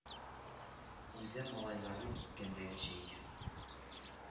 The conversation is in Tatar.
Үзе, малайлары киткәндәгечә икән